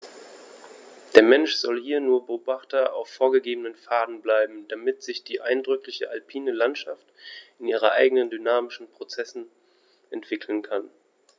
Der Mensch soll hier nur Beobachter auf vorgegebenen Pfaden bleiben, damit sich die eindrückliche alpine Landschaft in ihren eigenen dynamischen Prozessen entwickeln kann.